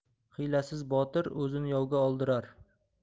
hiylasiz botir o'zini yovga oldirar